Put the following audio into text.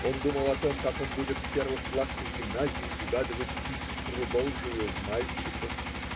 Он думал о том, как он будет с первых классов гимназии угадывать "искру божию" в мальчиках